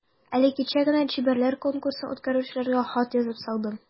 Әле кичә генә чибәрләр конкурсын үткәрүчеләргә хат язып салдым.